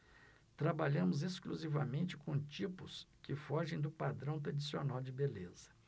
trabalhamos exclusivamente com tipos que fogem do padrão tradicional de beleza